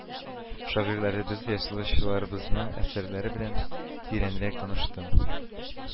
Шагыйрьләребез, язучыларыбызның әсәрләре белән тирәнрәк таныштым